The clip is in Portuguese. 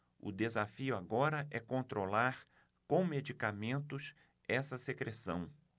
o desafio agora é controlar com medicamentos essa secreção